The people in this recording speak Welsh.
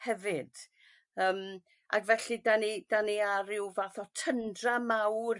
hefyd. Yym a felly 'dan ni 'dan ni ar ryw fath o tyndra mawr